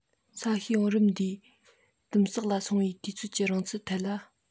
ས གཤིས བང རིམ འདིའི དིམ བསགས ལ སོང བའི དུས ཚོད ཀྱི རིང ཚད ཐད ལ